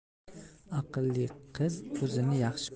aqlli qiz o'zini yaxshi